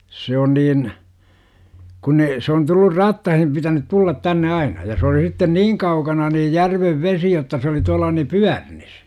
se on niin kun ne se on tullut rattaisiin pitänyt tulla tänne aina ja se oli sitten niin kaukana niin järven vesi jotta se oli tuolla niin Pyörnissä